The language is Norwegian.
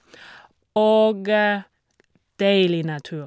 Og deilig natur.